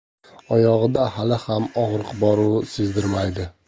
oyog'ida hali ham og'riq bor u sezdirmaydi